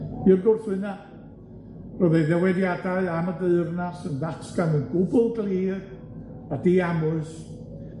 I'r gwrthwyna, roedd ei ddywediadau am y deyrnas yn ddatgan yn gwbwl glir a di-amwys